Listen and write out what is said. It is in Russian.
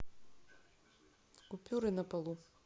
купюры на полу